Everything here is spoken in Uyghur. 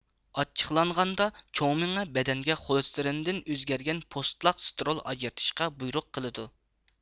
ئاچچىقلانغاندا چوڭ مېڭە بەدەنگە خولېستېرىندىن ئۆزگەرگەن پوستلاق سترول ئاجرىتىشقا بۇيرۇق قىلىدۇ